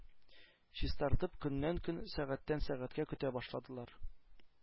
Чистартып көннән-көн, сәгатьтән-сәгатькә көтә башладылар,